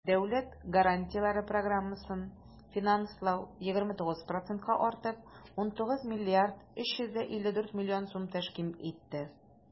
Дәүләт гарантияләре программасын финанслау 29 процентка артып, 19 млрд 354 млн сум тәшкил итте.